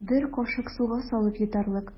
Бер кашык суга салып йотарлык.